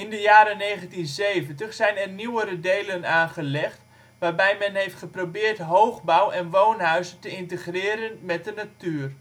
de jaren 1920. In de jaren 1970 zijn er nieuwere delen aangelegd waarbij men heeft geprobeerd hoogbouw en woonhuizen te integreren met de natuur